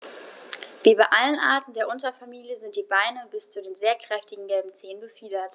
Wie bei allen Arten der Unterfamilie sind die Beine bis zu den sehr kräftigen gelben Zehen befiedert.